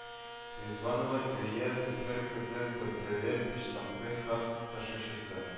Ризванова Дилия Зөфәр кызы Дүртөйле почтамты хат ташучысы